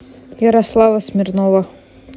ярослава симонова